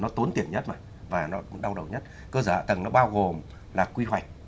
nó tốn tiền nhất mà và nó cũng đau đầu nhất cơ sở hạ tầng nó bao gồm là quy hoạch